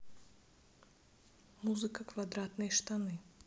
музыка квадратные штаны